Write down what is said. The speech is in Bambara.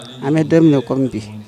An bɛ da kɔrɔ bi